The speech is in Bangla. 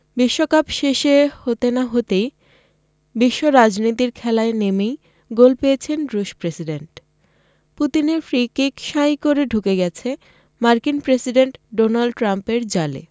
বিশ্বকাপ শেষে হতে না হতেই বিশ্ব রাজনীতির খেলায় নেমেই গোল পেয়েছেন রুশ প্রেসিডেন্ট পুতিনের ফ্রি কিক শাঁই করে ঢুকে গেছে মার্কিন প্রেসিডেন্ট ডোনাল্ড ট্রাম্পের জালে